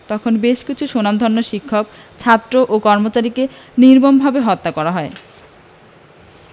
তখন বেশ কিছু স্বনামধন্য শিক্ষক ছাত্র ও কর্মচারীকে নির্মমভাবে হত্যা করা হয়